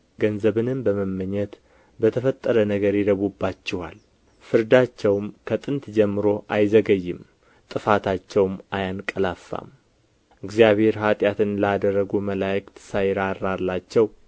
ገንዘብንም በመመኘት በተፈጠረ ነገር ይረቡባችኋል ፍርዳቸውም ከጥንት ጀምሮ አይዘገይም ጥፋታቸውም አያንቀላፋም እግዚአብሔር ኃጢአትን ላደረጉ መላእክት ሳይራራላቸው